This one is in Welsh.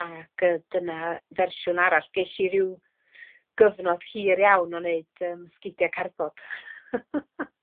Ac yy dyna fersiwn arall. Gesh i ryw gyfnod hir iawn o neud yym sgidia' carbod.